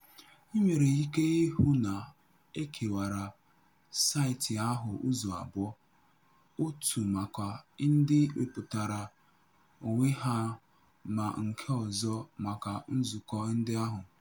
I nwere ike ịhụ na e kewara saịtị ahụ ụzọ abụọ: otu maka ndị wepụtara onwe ha ma nke ọzọ maka nzụkọ ndị ahụ.